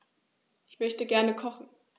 Ich möchte gerne kochen.